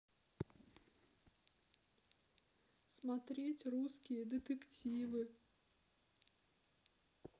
смотреть русские детективы